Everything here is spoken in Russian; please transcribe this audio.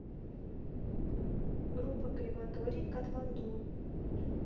группа крематорий катманду